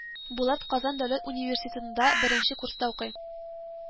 Булат Казан Дәүләт университетында беренче курста укый